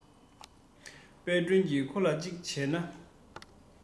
དཔལ སྒྲོན གྱིས ཁོ ལ གཅིག བྱས ན